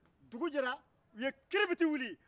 dugu j ɛlen u ye kiribiti wuli